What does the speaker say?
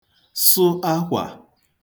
sụ akwà